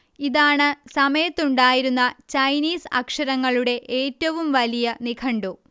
ഇതാണ് സമയത്ത് ഉണ്ടായിരുന്ന ചൈനീസ് അക്ഷരങ്ങളുടെഏറ്റവും വലിയ നിഘണ്ടു